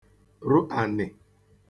rụ ànị̀